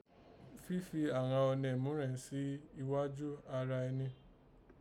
Fifi àghan ọnẹ múrẹ̀n sì ighájú ara ẹni